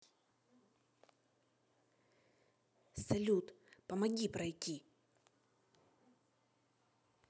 салют помоги пройти